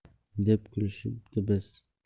deb kulishardik biz